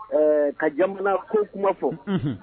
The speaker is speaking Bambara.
Ɛɛ ka jamana ko kuma fɔ.